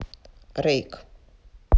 рейк